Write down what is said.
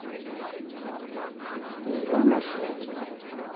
ее машинки